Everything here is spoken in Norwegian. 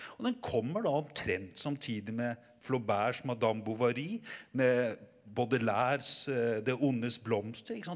og den kommer da omtrent samtidig med Flauberts Madame Bovary, med Baudelaires Det Ondes Blomster ikke sant.